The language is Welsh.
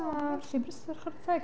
O mae wrthi'n brysur chwarae teg.